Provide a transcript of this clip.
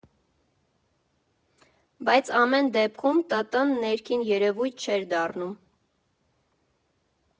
Բայց ամեն դեպքում, ՏՏ֊ն ներքին երևույթ չէր դառնում։